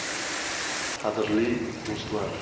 qadrli do'stlar